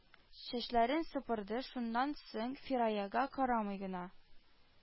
Чәчләрен сыпырды, шуннан соң фираяга карамый гына